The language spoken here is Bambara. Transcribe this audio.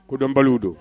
Kodɔnbaliw don.